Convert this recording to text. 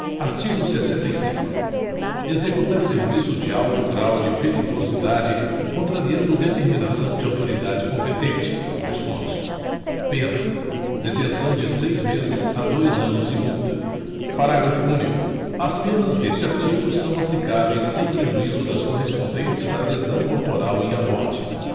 artigo sessenta e cinco executar serviço de alto grau de periculosidade contrariando determinação de autoridade competente dois pontos pena detenção de seis meses a dois anos e multa parágrafo único as penas deste artigo são aplicáveis sem prejuízo das correspondentes à lesão corporal e à morte